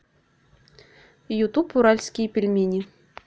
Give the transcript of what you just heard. ютуб уральские пельмени